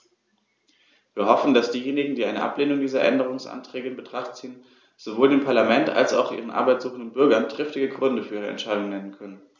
Wir hoffen, dass diejenigen, die eine Ablehnung dieser Änderungsanträge in Betracht ziehen, sowohl dem Parlament als auch ihren Arbeit suchenden Bürgern triftige Gründe für ihre Entscheidung nennen können.